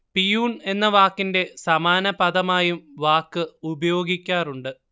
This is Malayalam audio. പിയൂൺ എന്ന വാക്കിന്റെ സമാന പദമായും വാക്ക് ഉപയോഗിക്കാറുണ്ട്